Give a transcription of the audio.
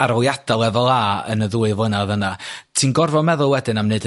aroliada' lefel ar yn y ddwy flynadd yna ti'n gorfod meddwl wedyn am 'neud y